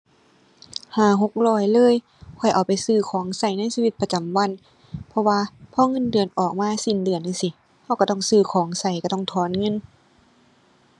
ห้าหกร้อยเลย ข้อยเอาไปซื้อของใช้ในชีวิตประจำวัน เพราะว่าพอเงินออกมาสิ้นเดือนจั่งซี้ ใช้ใช้ต้องซื้อของใช้ ใช้ต้องถอนเงิน